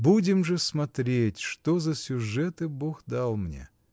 Будем же смотреть, что за сюжеты Бог дал мне?